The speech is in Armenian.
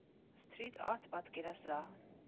Սթրիթ արտ պատկերասրահ։